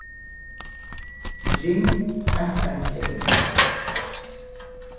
ring eitt eitt tvey